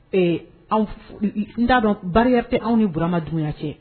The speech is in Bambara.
Ee n'a dɔn barika bɛ anw ni burama dunya cɛ